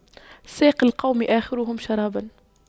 ساقي القوم آخرهم شراباً